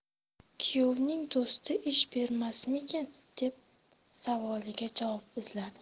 kuyovning do'sti ish bermasmikin deb savoliga javob izladi